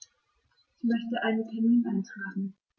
Ich möchte einen Termin eintragen.